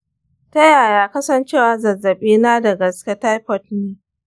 ta yaya ka san cewa zazzabina da gaske taifoid ne?